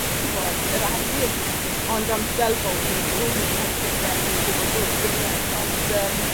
t'wbod yr arwyr 'ma. Ond am sbel fowr o'n nw ffel o nw'n torri'r gyfreth o'n nw'n pobol drwg on'd yfe? Ond yym